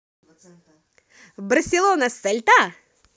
барселона сельта